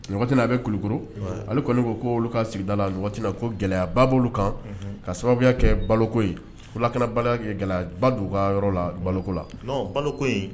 Ina a bɛ kulu ale kɔni ko ko olu ka sigida la ko gɛlɛyaba' kan ka sababuya kɛ baloko kabadu ka yɔrɔ la baloko la baloko